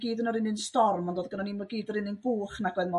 gyd yn yr un un storm ond do'dd gyno ni'm i gyd yr un un gwch nagoedd?